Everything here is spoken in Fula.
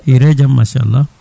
hiire jaam machallah